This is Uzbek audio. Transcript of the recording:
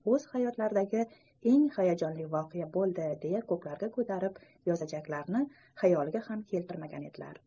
o'z hayotimizdagi eng hayajonli voqea bo'ldi deya ko'klarga ko'tarib yozajaklarini xayollariga ham keltirmagan edilar